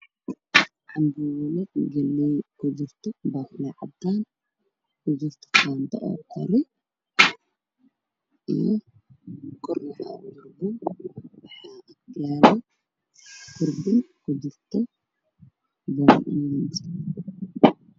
Waa hool weyn hayeelo kuras iyo miisaas hoolka waxaa ku shiraya niman iyo naago